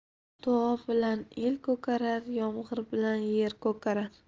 duo bilan el ko'karar yomg'ir bilan yer ko'karar